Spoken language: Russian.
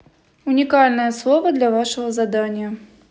уникальное слово для вашего задания